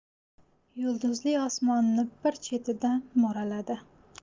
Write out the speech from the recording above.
yulduzli osmonni bir chetidan mo'raladi